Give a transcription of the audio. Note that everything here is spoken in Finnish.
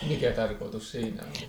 mikä tarkoitus siinä oli